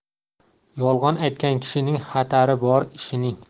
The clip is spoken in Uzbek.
yolg'on aytgan kishining xatari bor ishining